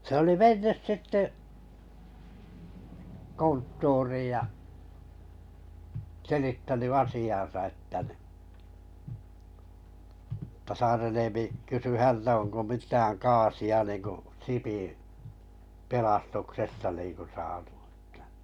se oli mennyt sitten konttoriin ja selittänyt asiansa että niin että Saaren Eemi kysyi häneltä onko mitään kaasia niin kuin Sipin pelastuksesta niin kuin saatu että